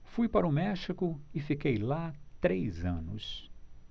fui para o méxico e fiquei lá três anos